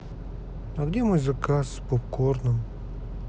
а где мой заказ с попкорном